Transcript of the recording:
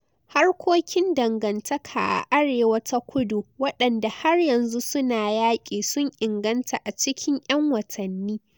Harkokin dangantaka a Arewa da Kudu - waɗanda har yanzu su na yaki - sun inganta a cikin 'yan watanni.